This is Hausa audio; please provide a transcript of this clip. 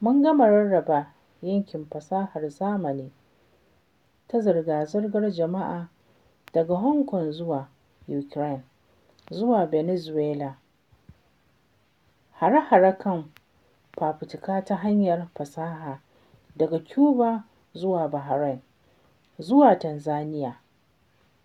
Mun gama rarraba 'yancin fasahar zamani ta zirga-zirgar jama’a daga Hong Kong zuwa Ukraine zuwa Venezuela, hare-hare kan fafutuka ta hanyar fasaha daga Cuba zuwa Bahrain zuwa Tanzania,